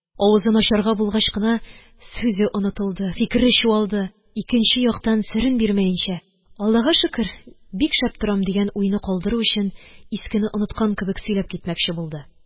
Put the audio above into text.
Авызын ачарга булгач кына сүзе онытылды. Фикере чуалды. Икенче яктан, серен бирмәенчә, «Аллага шөкер, бик шәп торам!» дигән уйны калдыру өчен искене оныткан кебек сөйләп китмәкче булды